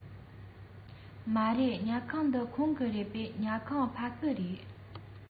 མ རེད ཉལ ཁང འདི ཁོང གི རེད ངའི ཉལ ཁང ཕ གི རེད